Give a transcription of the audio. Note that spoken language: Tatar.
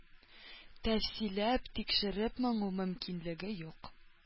Тәфсилләп тикшереп тору мөмкинлеге юк